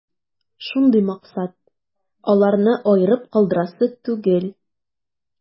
Шундый максат: аларны аерып калдырасы түгел.